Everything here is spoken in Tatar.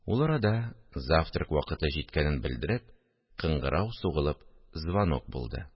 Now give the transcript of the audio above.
Ул арада, завтрак вакыты җиткәнен белдереп, кыңгырау сугылып, звонок булды